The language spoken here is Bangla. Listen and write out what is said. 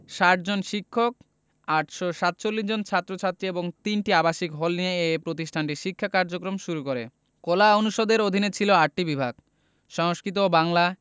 ৬০ জন শিক্ষক ৮৪৭ জন ছাত্র ছাত্রী এবং ৩টি আবাসিক হল নিয়ে এ প্রতিষ্ঠানটি শিক্ষা কার্যক্রম শুরু করে কলা অনুষদের অধীনে ছিল ৮টি বিভাগ সংস্কৃত ও বাংলা